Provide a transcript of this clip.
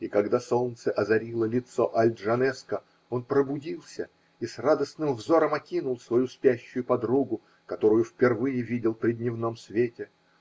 И когда солнце озарило лицо Аль-Джанеско, он пробудился и радостным взором окинул свою спящую подругу, которую впервые видел при дневном свете.